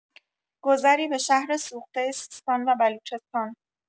گذری به شهر سوخته سیستان و بلوچستان